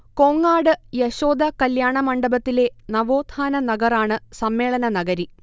കോങ്ങാട് യശോദ കല്യാണമണ്ഡപത്തിലെ നവോത്ഥാന നഗറാണ് സമ്മേളനനഗരി